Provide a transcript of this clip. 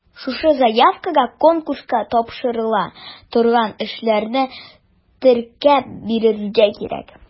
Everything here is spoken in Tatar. Шушы заявкага конкурска тапшырыла торган эшләрне теркәп бирергә кирәк.